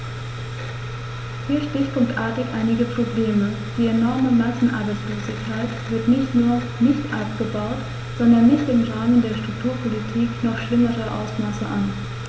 Hier stichpunktartig einige Probleme: Die enorme Massenarbeitslosigkeit wird nicht nur nicht abgebaut, sondern nimmt im Rahmen der Strukturpolitik noch schlimmere Ausmaße an.